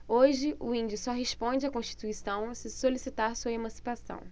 hoje o índio só responde à constituição se solicitar sua emancipação